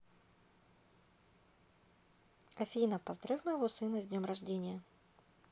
афина поздравь моего сына с днем рождения